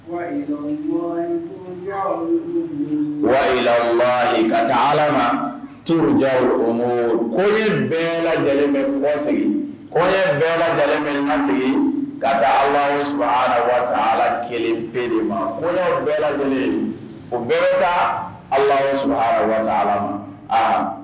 Wa wayiyi ka taa ala ma tuururoja koye bɛɛ lajɛlenlen bɛse koye bɛɛ lajɛlenɛlɛ bɛ kase ka da ala su ala kelen bɛ de ma ko bɛɛ lajɛlen o bɛɛ la ala su ala ma a